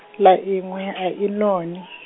ḽa nngwe ai noni.